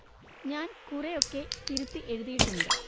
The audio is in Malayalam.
ഞാൻ കുറെ ഒക്കെ തിരുത്തി എഴുതിയിട്ടുണ്ട്